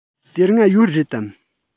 དེ སྔ ཡོད རེད དམ